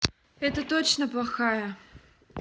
это точно плохая